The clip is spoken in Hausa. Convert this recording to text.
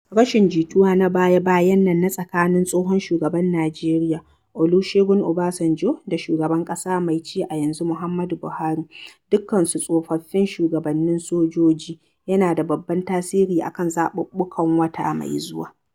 Rashin jituwa na baya-bayan nan na tsakanin tsohon shugaban Najeriya Olusegun Obasanjo da shugaban ƙasa mai ci a yanzu Muhammadu Buhari - dukkansu tsofaffin shugabannin sojoji - yana da babban tasiri a kan zaɓuɓɓukan wata mai zuwa.